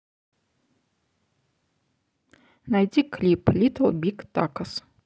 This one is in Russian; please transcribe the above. найди клип литл биг такос